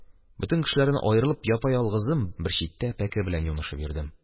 Бөтен кешеләрдән аерылып, япа-ялгызым, бер читтә пәке белән юнышып йөрдем.